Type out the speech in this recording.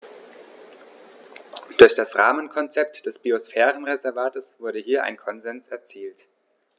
Durch das Rahmenkonzept des Biosphärenreservates wurde hier ein Konsens erzielt.